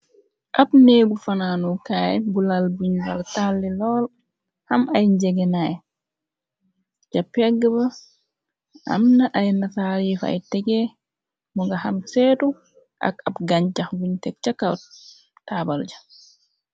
Ab neegu fanaanukaay bu laal buñ laal tàlli lool am ay ngegenay ca pegga ba amna ay nataal yu fai tegee munga xam seetu ak ab gañ jax buñ tek ca kaw taabal ga.